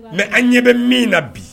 Mɛ an ɲɛ bɛ min na bi